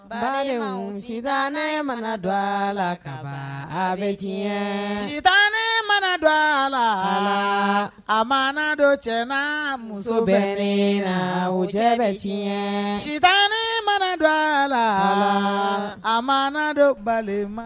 Ba mana dɔ a la bɛ sita mana dɔgɔ a la a ma dɔ cɛ muso bɛ la o cɛ bɛ suta mana dɔgɔ a la a madon balima ma